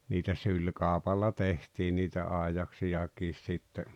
niitä sylikaupalla tehtiin niitä aidaksiakin sitten